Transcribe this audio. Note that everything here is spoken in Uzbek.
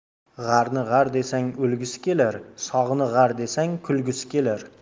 g'arni g'ar desang o'lgisi kelar sog'ni g'ar desang kulgisi kelar